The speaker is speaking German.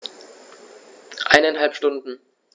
Eineinhalb Stunden